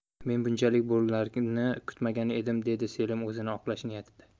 men bunchalik bo'larini kutmagan edim dedi selim o'zini oqlash niyatida